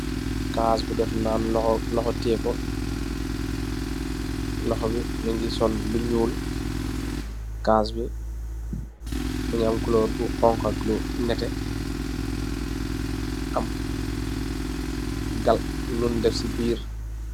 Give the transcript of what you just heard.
Kaas bu def naan, ab loxo tiye ko, loxo bi mu ngi tiye lu ñuul, kaas bi, mu ngi am lu xoñxu ak lu nétté, am luñ def si biir.